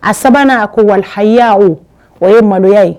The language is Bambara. A sabanan a ko wa haya o o ye maloya ye